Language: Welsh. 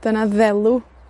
Dyna ddelw,